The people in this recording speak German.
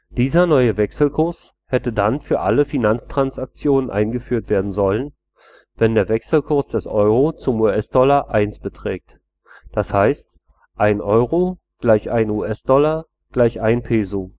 Dieser neue Wechselkurs hätte dann für alle Finanztransaktionen eingeführt werden sollen, wenn der Wechselkurs des Euro zum US-Dollar 1 beträgt, d. h. 1 Euro = 1 US-Dollar = 1 Peso